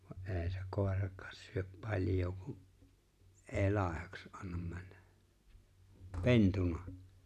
vaan ei se koiraksi syö paljoa kun ei laihaksi anna mennä pentuna